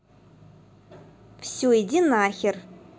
все иди нахер